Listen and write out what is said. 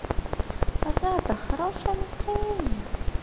азата хорошее настроение